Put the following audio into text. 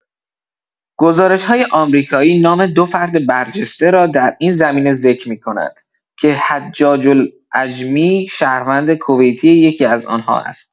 گزارش‌های آمریکایی نام دو فرد برجسته را در این زمینه ذکر می‌کند که حجاج العجمی شهروند کویتی یکی‌از آن‌ها است.